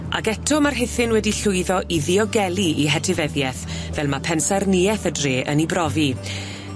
Ag eto ma' Rhithyn wedi llwyddo i ddiogelu 'i hetifeddieth fel ma' pensaerniaeth y dre yn ei brofi.